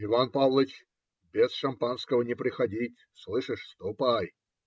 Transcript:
Иван Павлыч, без шампанского не приходить, слышишь? Ступай!